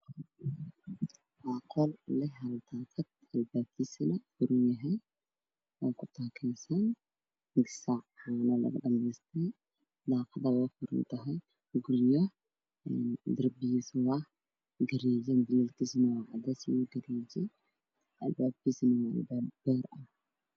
Waa qol leh hal daaqad qol kasta waxay leeyihiin daaqada way furan tahay darbigiisuna waa cadaan